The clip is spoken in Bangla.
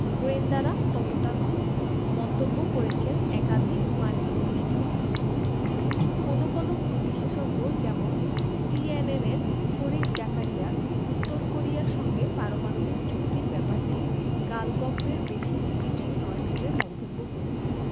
গোয়েন্দারা ততটা নন মন্তব্য করেছেন একাধিক মার্কিন বিশেষজ্ঞ কোনো কোনো বিশেষজ্ঞ যেমন সিএনএনের ফরিদ জাকারিয়া উত্তর কোরিয়ার সঙ্গে পারমাণবিক চুক্তির ব্যাপারটি গালগপ্পের বেশি কিছু নয় বলে মন্তব্য করেছেন